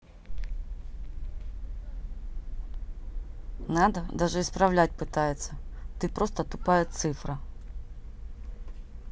надо даже исправлять пытаться ты просто тупая цифра